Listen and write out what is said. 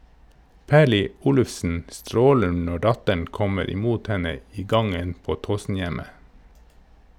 Perly Olufsen stråler når datteren kommer imot henne i gangen på Tåsenhjemmet.